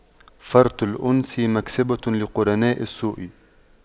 فرط الأنس مكسبة لقرناء السوء